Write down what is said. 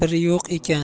bir yo'q ekan